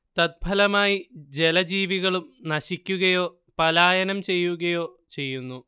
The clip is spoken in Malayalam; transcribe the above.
തത്ഫലമായി ജലജീവികളും നശിക്കുകയോ പലായനം ചെയ്യുകയോ ചെയ്യുന്നു